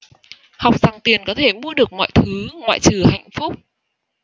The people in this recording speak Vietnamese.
học rằng tiền có thể mua được mọi thứ ngoại trừ hạnh phúc